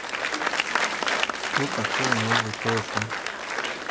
что такое новый тропин